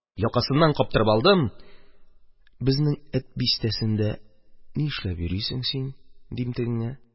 Якасыннан каптырып алдым: – Безнең Эт бистәсендә ни эшләп йөрисең син? – дим тегеңә.